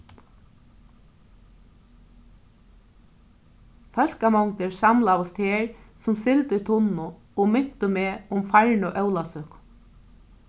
fólkamongdir samlaðust her sum sild í tunnu og mintu meg um farnu ólavsøku